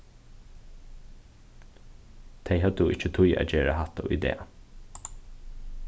tey høvdu ikki tíð at gera hatta í dag